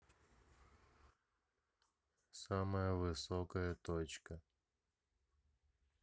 самая высокая точка